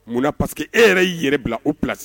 Munna na parce que e yɛrɛ y' yɛrɛ bila u psi